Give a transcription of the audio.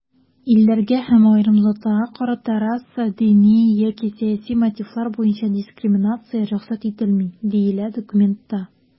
"илләргә һәм аерым затларга карата раса, дини яки сәяси мотивлар буенча дискриминация рөхсәт ителми", - диелә документта.